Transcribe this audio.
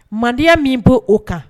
Mandiya min' o kan